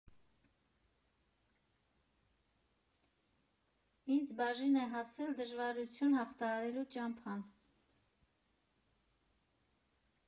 Ինձ բաժին է հասել դժվարություն հաղթահարելու ճամփան։